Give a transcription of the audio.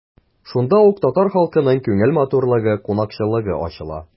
Шунда ук татар халкының күңел матурлыгы, кунакчыллыгы ачыла.